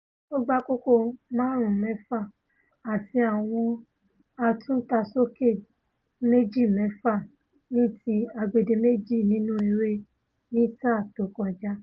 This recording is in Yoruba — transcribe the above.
Ó gba kókó 5.6 àti àwọn àtúntasókè 2.6 níti agbedeméji nínú eré ní sáà tó kọjá.